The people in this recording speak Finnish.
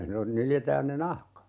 - nyljetään ne nahka